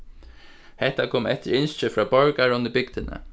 hetta kom eftir ynski frá borgarum í bygdini